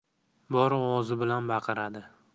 bor ovozi bilan baqiradi